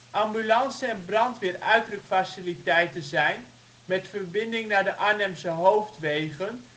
Ambulance en brandweer uitrukfaciliteiten zijn, met verbindingen naar de Arnhemse hoofdwegen